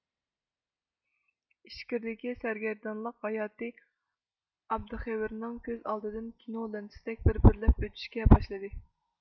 ئىچكىردىكى سەرگەندانلىق ھاياتى ئابدىخېۋئىرنىڭ كۆز ئالدىدىن كىنو لىنتىسىدەك بىر بىرلەپ ئۆتۈشكە باشلىدى